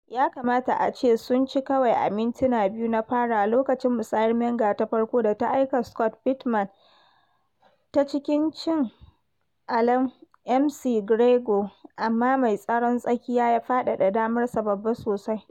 Ya kamata a ce sun ci kawai a mintina biyu na farawa lokacin musayar Menga ta farko da ta aika Scott Pittman ta cikin cin Allan McGregor amma mai tsaron tsakiya ya faɗaɗa damarsa babba sosai.